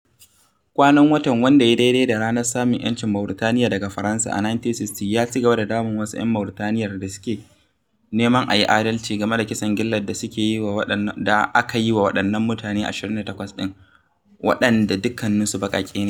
Kwanan watan, wanda ya yi daidai da ranar samun 'yancin Mauritaniya daga Faransa a 1960, ya cigaba da damun wasu 'yan Mauritaniyar da suke neman a yi adalci game da kisan gillar da aka yi wa waɗannan mutane 28 ɗin, waɗanda dukkaninsu baƙaƙe ne.